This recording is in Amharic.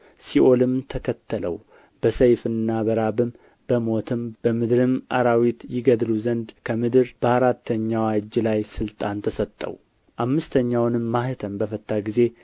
ሲኦልም ተከተለው በሰይፍና በራብም በሞትም በምድርም አራዊት ይገድሉ ዘንድ ከምድር በአራተኛዋ እጅ ላይ ሥልጣን ተሰጣቸው አምስተኛውንም ማኅተም በፈታ ጊዜ